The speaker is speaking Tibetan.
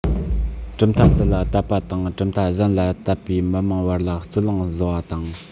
གྲུབ མཐའ འདི ལ དད པ དང གྲུབ མཐའ གཞན ལ དད པའི མི དམངས བར ལ རྩོད གླེང བཟོ བ དང